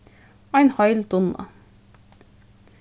ein heil dunna